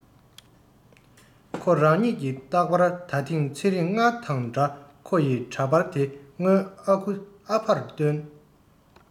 ཁོ རང ཉིད ཀྱི རྟག པར ད ཐེངས ཚེ རིང སྔར དང འདྲ ཁོ ཡི འདྲ པར དེ སྔོན ཨ ཁུས ཨ ཕར སྟོན